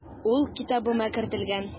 Ул китабыма кертелгән.